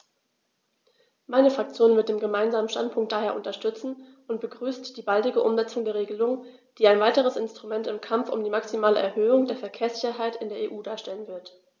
Meine Fraktion wird den Gemeinsamen Standpunkt daher unterstützen und begrüßt die baldige Umsetzung der Regelung, die ein weiteres Instrument im Kampf um die maximale Erhöhung der Verkehrssicherheit in der EU darstellen wird.